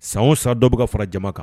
San san dɔw bɛ ka fara jama kan